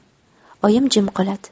oyim jim qoladi